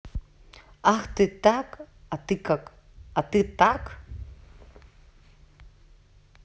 ах ты так а ты так а ты так